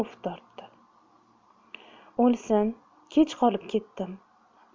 uf tortdi o'lsin kech qolib ketdim